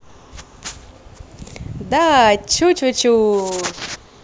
да чучучу